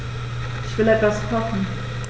Ich will etwas kochen.